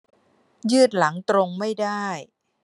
ยืดหลังตรงไม่ได้